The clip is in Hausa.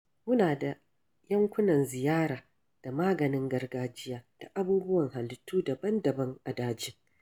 Muna da yankunan ziyara da maganin gargajiya da abubuwan halittu daban-daban a dajin.